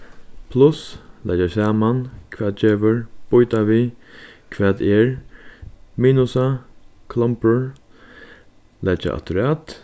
pluss leggja saman hvat gevur býta við hvat er minusa klombur leggja afturat